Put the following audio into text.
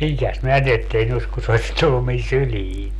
minkäs minä sille tehnyt olisin kun se olisi tullut minun syliin